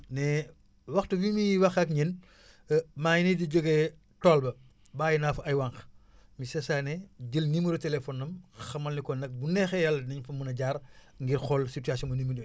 ne waxtu bi muy wax ak ñun maa ngi nii di jóge tool ba bàyyi naa fa ay wànq monsieur Sané jël numéro téléphone am xamal ni ko nag bu neexee Yàlla dinañ fa mën a jaar ngir xool situation bi ni mu nee